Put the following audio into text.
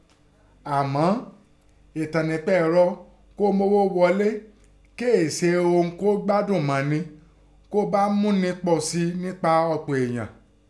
Àmọ́, ẹ̀tàn únpa ẹ̀rọ kọ́ mín mówó ọléèé se ihún gbadùn mọ́ni kọ́ ọ bá mọ pípọ̀ sẹ́ẹ únpa ọ̀pọ̀ ọ̀ǹyàn.